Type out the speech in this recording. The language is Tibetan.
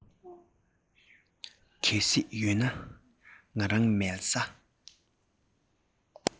གལ སྲིད ཡོད ན ང རང མལ ས